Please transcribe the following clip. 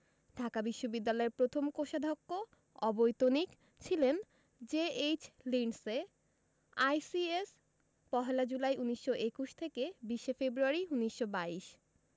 ঢাকা বিশ্ববিদ্যালয়ের প্রথম কোষাধ্যক্ষ অবৈতনিক ছিলেন জে.এইচ লিন্ডসে আইসিএস ১লা জুলাই ১৯২১ থেকে ২০ ফেব্রুয়ারি ১৯২২